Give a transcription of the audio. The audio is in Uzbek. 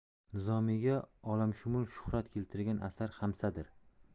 nizomiyga olamshumul shuhrat keltirgan asar xamsadir